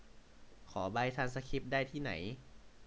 ขอใบทรานสคริปต์ที่ไหน